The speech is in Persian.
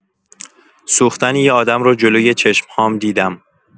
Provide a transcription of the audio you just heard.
سوختن یه آدم رو جلوی چشم‌هام دیدم.